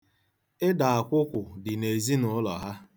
Ịda akwụkwụ dị n'ezinụlọ ha.